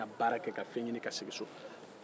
ne bɛ taa baara kɛ ka fɛn ɲini ka segin so